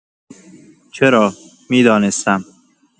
چرا، می‌دانستم.